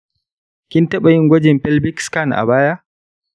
kin taɓa yin gwajin pelvic scan a baya?